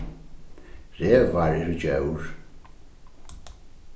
revar eru djór